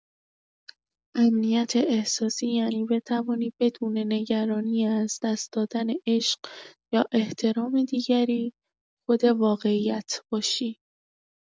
امنیت احساسی یعنی بتوانی بدون نگرانی از دست دادن عشق یا احترام دیگری، خود واقعی‌ات باشی.